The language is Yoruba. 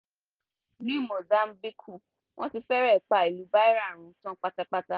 Ní Mozambique, wọ́n ti fẹ́rẹ̀ pa ìlú Beira run tán pátápátá.